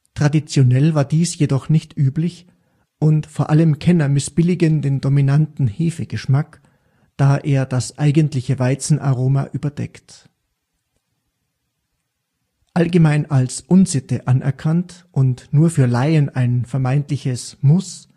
Traditionell war dies jedoch nicht üblich und vor allem Kenner mißbilligen den dominaten Hefe-Geschmack, da er das eigentliche Weizenaroma überdeckt. Allgemein als Unsitte anerkannt und nur für Laien ein vermeintliches „ Muss